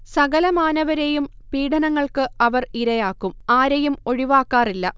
സകലമാനവരെയും പീഢനങ്ങൾക്ക് അവർ ഇരയാക്കും. ആരെയും ഒഴിവാക്കാറില്ല